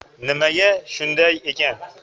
nimaga shunday ekan